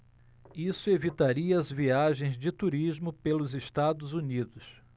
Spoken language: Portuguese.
isso evitaria as viagens de turismo pelos estados unidos